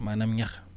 maanaam ñax